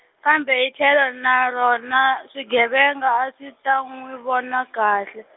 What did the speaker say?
kambe hi tlhelo na rona swigevenga a swi ta n'wi vona kahle.